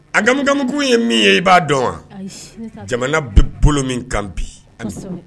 An kamkanmk ye min ye i b'a dɔn wa jamana bɛ bolo min kan bi